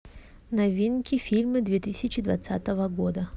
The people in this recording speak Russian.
новинки фильмы две тысячи двадцатого года